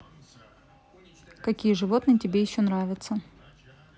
какие животные тебе еще нравятся